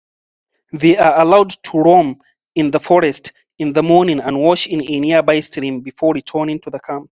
They are allowed to roam in the forest in the morning and wash in a nearby stream before returning to the camp.